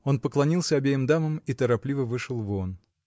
Он поклонился обеим дамам и торопливо вышел вон.